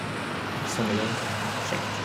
Sommerjobb er kjekt.